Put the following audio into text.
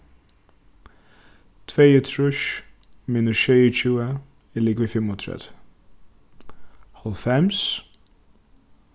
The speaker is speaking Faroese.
tveyogtrýss minus sjeyogtjúgu er ligvið fimmogtretivu hálvfems